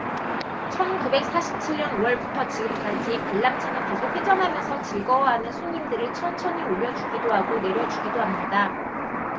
천 구백 사십 칠 년 오 월부터 지금까지 관람차는 계속 회전하면서 즐거워하는 손님들을 천천히 올려 주기도 하고 내려 주기도 합니다